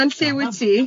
Yn lle wyt ti?